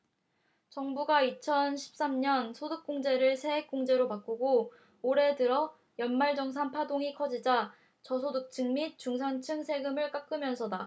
정부가 이천 십 삼 년 소득공제를 세액공제로 바꾸고 올해 들어 연말정산 파동이 커지자 저소득층 및 중산층 세금을 깎으면서다